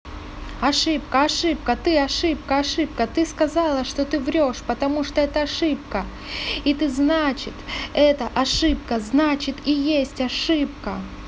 ошибка ошибка ты ошибка ошибка ты сказала что ты врешь потому что это ошибка и ты значит эта ошибка значит и есть ошибка